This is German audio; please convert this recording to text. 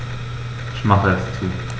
Ich mache es zu.